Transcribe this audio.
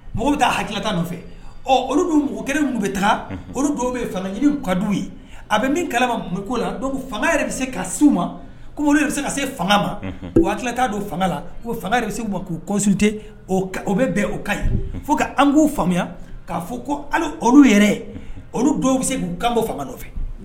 Mɔgɔ bɛ taa hakili nɔfɛ ɔ olu dun mɔgɔ kelen bɛ taa olu dɔw bɛ fanga ɲini ka ye a bɛ min kalama ko la fanga yɛrɛ bɛ se ka su ma bɛ se ka se fanga ma o hakilila' don fanga la' fanga bɛ se k'u kɔte o bɛ bɛn o ka fo kaan k'u faamuya k' fɔ ko yɛrɛ olu dɔw bɛ se k'u kan fanga nɔfɛ